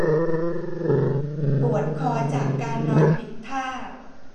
ปวดคอจากการนอนผิดท่า